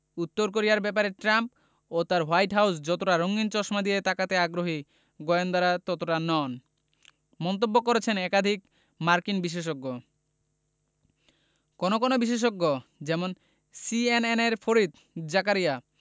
উত্তর কোরিয়ার ব্যাপারে ট্রাম্প ও তাঁর হোয়াইট হাউস যতটা রঙিন চশমা দিয়ে তাকাতে আগ্রহী গোয়েন্দারা ততটা নন মন্তব্য করেছেন একাধিক মার্কিন বিশেষজ্ঞ কোনো কোনো বিশেষজ্ঞ যেমন সিএনএনের ফরিদ জাকারিয়া